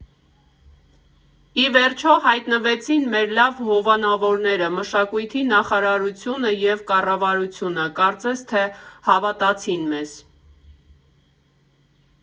Ի վերջո հայտնվեցին մեր լավ հովանավորները, Մշակույթի նախարարությունը և կառավարությունը կարծես թե հավատացին մեզ։